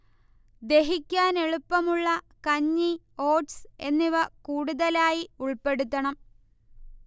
ദഹിക്കാൻ എളുപ്പമുള്ള കഞ്ഞി, ഓട്സ് എന്നിവ കൂടുതലായി ഉൾപ്പെടുത്തണം